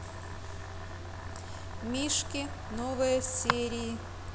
мишки новые серии